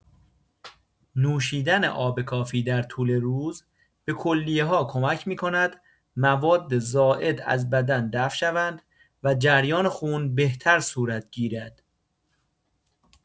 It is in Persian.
نوشیدن آب کافی در طول روز، به کلیه‌ها کمک می‌کند مواد زائد از بدن دفع شوند و جریان خون بهتر صورت گیرد.